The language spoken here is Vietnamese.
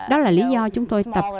đó là lý do chúng tôi tập